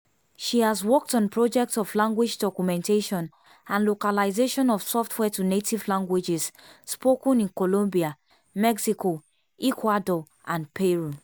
She has worked on projects of language documentation and localization of software to native languages spoken in Colombia, Mexico, Ecuador and Peru.